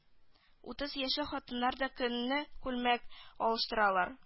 Утыз яшьлек хатыннар һәр көнне күлмәк алыштыралар